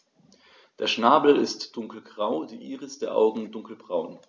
Der Schnabel ist dunkelgrau, die Iris der Augen dunkelbraun.